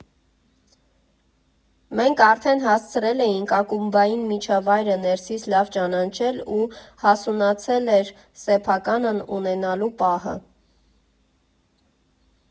Մենք արդեն հասցրել էինք ակումբային միջավայրը ներսից լավ ճանաչել ու հասունացել էր սեփականն ունենալու պահը։